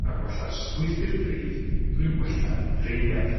am wella strwythur pridd drwy wella'r dreiniad.